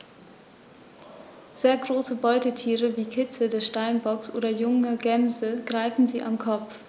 Sehr große Beutetiere wie Kitze des Steinbocks oder junge Gämsen greifen sie am Kopf.